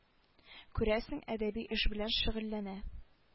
Күрәсең әдәби эш белән шөгыльләнә